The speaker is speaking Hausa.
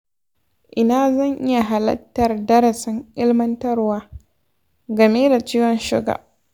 ina zan iya halartar darasin ilmantarwa game da ciwon suga?